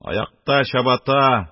Аякта чабата,